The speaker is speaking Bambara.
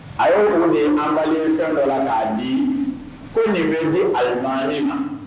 A ye mun de mabali da dɔ la k'a di ko nin bɛ di a ye naani ma